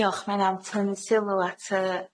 Diolch mae'n hynna'n t- yn sylw at yy